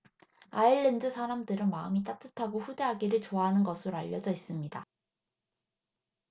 아일랜드 사람들은 마음이 따뜻하고 후대하기를 좋아하는 것으로 알려져 있습니다